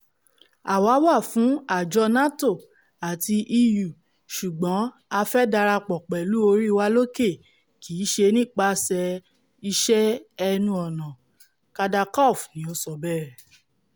Àwa wà fún àjọ NATO àti EU, ṣugbọn a fẹ́ darapọ̀ pẹ̀lú orí wa lókè, kìí ṣe nípaṣẹ̀ iṣe ẹnu ọ̀nạ̀́'' Kadarkov ni o so bẹẹ̣́ ̣.